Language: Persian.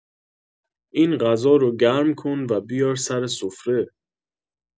این غذا رو گرم‌کن و بیار سر سفره